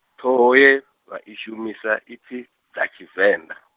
ṱhoho ye, vha i shumisa i pfi, dza Tshivenḓa.